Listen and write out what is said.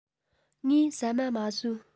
ངས ཟ མ མ ཟོས